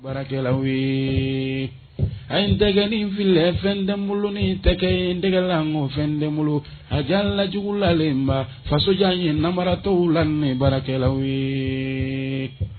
Baarakɛlaw ye, a ye n tɛgɛni filɛ fɛn tɛ n bolo, ni tɛgɛ ye, n tɛgɛ lankolo, fɛn tɛ bolo, a diya la jugu la de nba, faso diyara de nanbaratɔw la ni baarakɛlaw ye.